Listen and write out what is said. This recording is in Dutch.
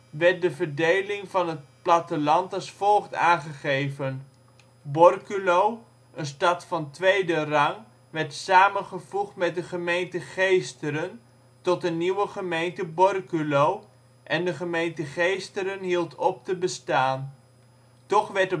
werd de verdeling van het platteland als volgt aangegeven: Borculo, een stad van tweede rang, werd samengevoegd met de gemeente Geesteren tot een nieuwe gemeente Borculo, en de gemeente Geesteren hield op te bestaan. Toch werd